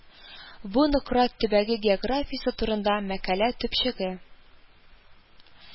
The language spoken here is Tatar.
Бу Нократ төбәге географиясе турында мәкалә төпчеге